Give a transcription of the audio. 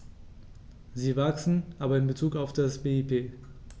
Sie wachsen, aber in bezug auf das BIP.